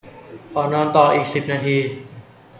ขอนอนต่ออีกสิบนาที